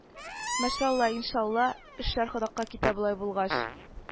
Мәшә алла иншалла, эшләр ходка китә болай булгач